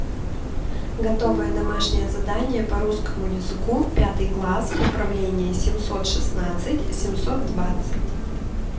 готовое домашнее задание по русскому языку пятый класс управление семьсот шестнадцать семьсот двадцать